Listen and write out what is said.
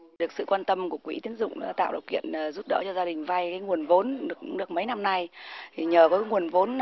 được sự quan tâm của quỹ tín dụng đã tạo điều kiện giúp đỡ cho gia đình vay nguồn vốn được cũng được mấy năm nay thì nhờ với nguồn vốn